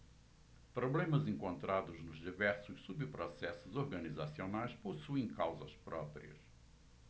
problemas encontrados nos diversos subprocessos organizacionais possuem causas próprias